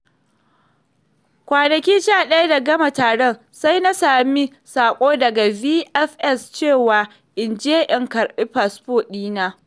Kwanaki 11 da gama taron, sai na sami saƙo daga VFS cewa in je in karɓi fasfo ɗi na.